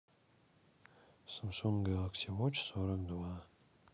самсунг гэлэкси воч сорок два